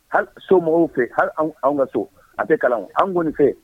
Hali so mɔgɔw fɛ , hali anw ka so a tɛ kalan. anw kɔni fɛ Yen.